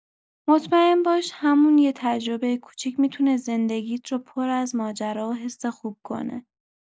مطمئن باش همون یه تجربه کوچیک می‌تونه زندگی‌ت رو پر از ماجرا و حس خوب کنه.